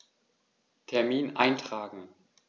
Termin eintragen